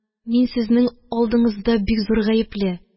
Мин сезнең алдыңызда бик зур гаепле.